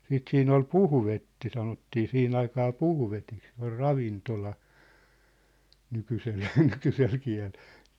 sitten siinä oli puhvetti sanottiin siihen aikaan puhvetiksi se on ravintola nykyisellä nykyisellä kielellä